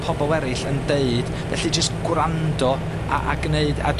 pobol eryll yn deud. Felly jyst gwrando a a gneud, a